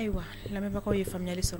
Ayiwa lamɛnbagawkaw yeli sɔrɔ